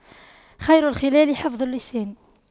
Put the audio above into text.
خير الخلال حفظ اللسان